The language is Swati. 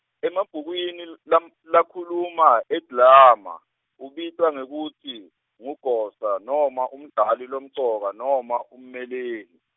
emabhukwini l- lam- lakhuluma edrama, ubitwa ngekutsi, ngugosa noma umdlali lomcoka noma ummeleli.